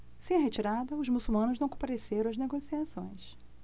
sem a retirada os muçulmanos não compareceram às negociações